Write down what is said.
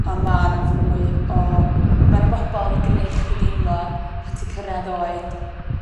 On' ma' 'na fwy o ma' 'na fobol yn gneu' chdi deimlo pan ti cyrradd oed